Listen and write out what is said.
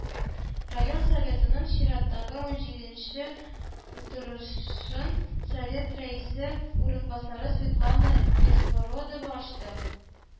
Район Советының чираттагы унҗиденче утырышын Совет рәисе урынбасары Светлана Безбородова ачты